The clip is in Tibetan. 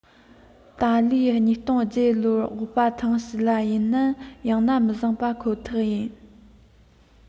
ད ལོའི ༢༠༠༧ ལོར སྒོག པ ཐང གཞི ལ ཡིན ནམ ཡང ན མི བཟང པ ཁོ ཐག ཡིན